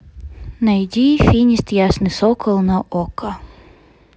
найди финист ясный сокол на окко